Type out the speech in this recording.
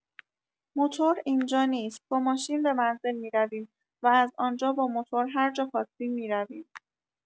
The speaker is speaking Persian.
موتور اینجا نیست با ماشین به منزل می‌رویم و از آنجا با موتور هرجا خواستیم می‌رویم.